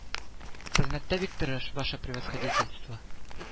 Хезмәттә бик тырыш, ваше превосходительство